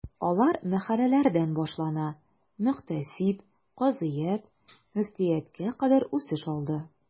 Алар мәхәлләләрдән башлана, мөхтәсиб, казыят, мөфтияткә кадәр үсеш алды.